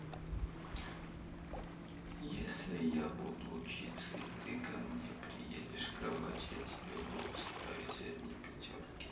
если я буду учиться и ты ко мне придешь кровь я тебя буду ставить одни пятерки